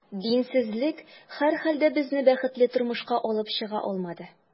Динсезлек, һәрхәлдә, безне бәхетле тормышка алып чыга алмады.